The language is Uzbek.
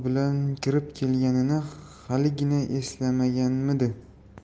yor bilan kirib kelganini haligina eslamaganmidi